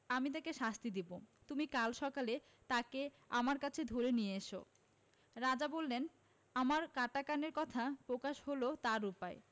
আমি তাকে শাস্তি দেব তুমি কাল সকালে তাকে আমার কাছে ধরে নিয়ে এস রাজা বললেন আমার কাটা কানের কথা প্রকাশ হল তার উপায়